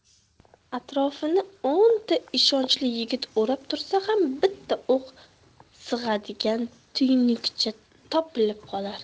atrofini o'nta ishonchli yigit o'rab tursa ham bitta o'q sig'adigan tuynukcha topilib qolar